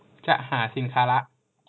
จะหาสินค้าละ